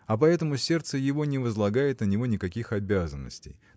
а поэтому сердце его не возлагает на него никаких обязанностей